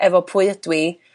hefo pwy ydw i